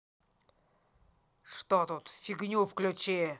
что тут фигню включи